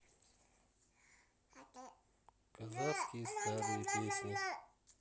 казахские старые песни